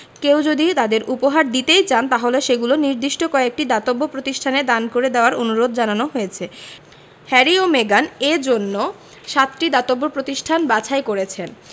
কেউ যদি তাঁদের উপহার দিতেই চান তাহলে সেগুলো নির্দিষ্ট কয়েকটি দাতব্য প্রতিষ্ঠানে দান করে দেওয়ার অনুরোধ জানানো হয়েছে হ্যারি ও মেগান এ জন্য সাতটি দাতব্য প্রতিষ্ঠান বাছাই করেছেন